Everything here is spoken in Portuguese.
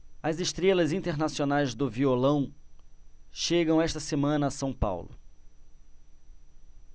as estrelas internacionais do violão chegam esta semana a são paulo